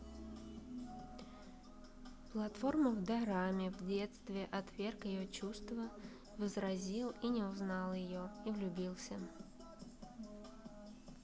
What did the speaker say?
платформа в дораме в детстве отверг ее чувства возразил не узнал ее и влюбился